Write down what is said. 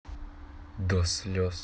до слез